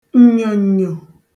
ǹnyòǹnyò